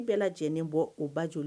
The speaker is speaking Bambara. N bɛɛ lajɛlenen bɔ o bajol